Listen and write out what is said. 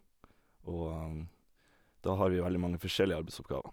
Og da har vi veldig mange forskjellige arbeidsoppgaver.